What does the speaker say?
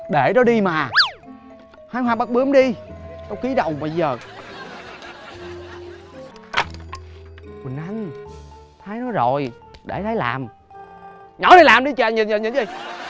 để đó đi mà hái hoa bắt bướm đi tao kí đầu mày giờ quỳnh anh thái nói rồi để thái làm nói thì làm đi trời nhìn nhìn nhìn cái gì